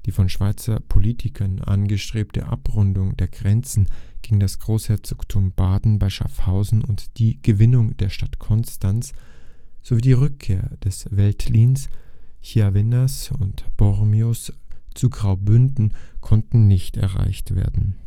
von Schweizer Politikern angestrebte Abrundung der Grenzen gegen das Großherzogtum Baden bei Schaffhausen und die Gewinnung der Stadt Konstanz sowie die Rückkehr des Veltlins, Chiavennas und Bormios zu Graubünden konnten nicht erreicht werden